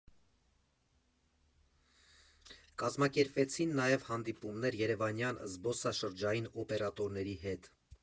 Կազմակերպվեցին նաև հանդիպումներ երևանյան զբոսաշրջային օպերատորների հետ։